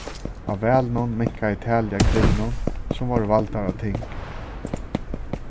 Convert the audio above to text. á valinum minkaði talið av kvinnum sum vórðu valdar á ting